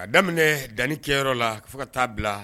Ka daminɛ danni kɛyɔrɔ la fo ka taa bila